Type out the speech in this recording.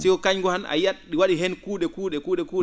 tew ko kañngu han a yiyat ?i wa?i heen kuu?e kuu?e kuu?e kuu?e